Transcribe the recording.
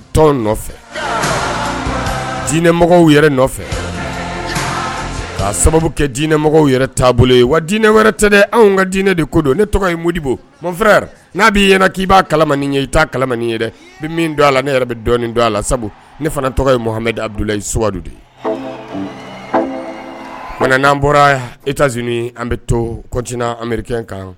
Tɔn dinɛmɔgɔ yɛrɛ nɔfɛ ka sababu kɛ dinɛmɔgɔ yɛrɛ taabolo ye wa dinɛ wɛrɛ tɛ anw ka dinɛ de ko don ne tɔgɔ ye mudibof n'a b'i ɲɛna k'i b'a kalain ye i t'a kalain ye dɛ bɛ min don a la ne yɛrɛ bɛ dɔn don a la sabu ne fana tɔgɔ yehamadu abudula idu de ye munna n'an bɔra ez z an bɛ to kotna anri kan